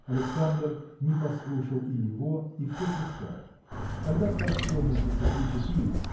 Александр не послушал и его и все писал. Когда прошло месяца три-четыре